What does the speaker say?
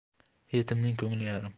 yetimning ko'ngli yarim